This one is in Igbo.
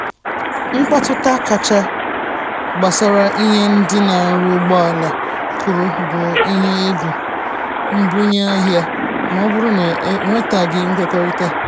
Mkpatụta kacha gbasara ihe ndị na-arụ ụgbọ ala kwuru bụ n’ihe egwu mbunye ahịa ma ọ bụrụ na enwetaghị nkwekọrịta.